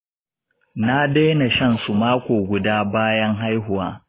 na daina shan su mako guda bayan haihuwa.